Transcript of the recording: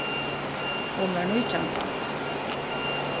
hon var nítjan tá